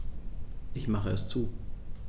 Ich mache es zu.